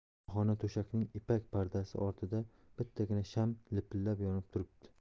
shohona to'shakning ipak pardasi ortida bittagina sham lipillab yonib turibdi